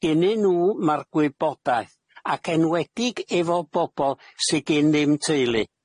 gennyn nw ma'r gwybodaeth, ac enwedig efo bobol sy gin ddim teulu.